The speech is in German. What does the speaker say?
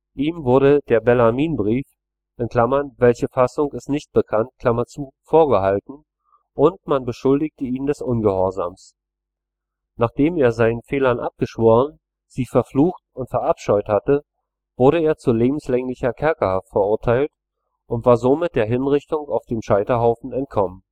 Ihm wurde der Bellarminbrief (welche Fassung, ist nicht bekannt) vorgehalten, und man beschuldigte ihn des Ungehorsams. Nachdem er seinen Fehlern abgeschworen, sie verflucht und verabscheut hatte, wurde er zu lebenslänglicher Kerkerhaft verurteilt und war somit der Hinrichtung auf dem Scheiterhaufen entkommen